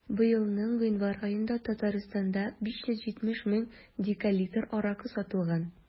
Быелның гыйнвар аенда Татарстанда 570 мең декалитр аракы сатылган.